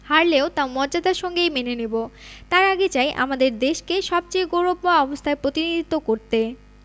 হারলেও তা মর্যাদার সঙ্গেই মেনে নেব তার আগে চাই আমাদের দেশকে সবচেয়ে গৌরবময় অবস্থায় প্রতিনিধিত্ব করতে